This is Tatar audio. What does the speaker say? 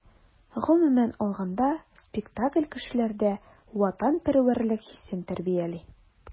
Гомумән алганда, спектакль кешеләрдә ватанпәрвәрлек хисен тәрбияли.